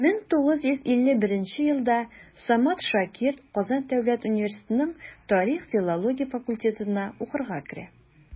1951 елда самат шакир казан дәүләт университетының тарих-филология факультетына укырга керә.